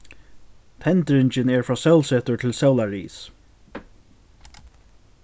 tendringin er frá sólsetur til sólarris